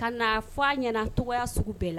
Ka na fɔ' a nana tɔgɔya sugu bɛɛ la